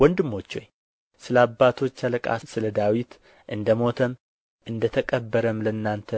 ወንድሞች ሆይ ስለ አባቶች አለቃ ስለ ዳዊት እንደ ሞተም እንደ ተቀበረም ለእናንተ